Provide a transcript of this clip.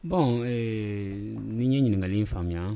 Bɔn ne ye ɲininkaka faamuya